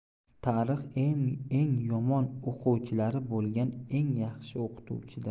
tarix eng yomon o'quvchilari bo'lgan eng yaxshi o'qituvchidir